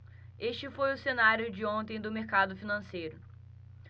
este foi o cenário de ontem do mercado financeiro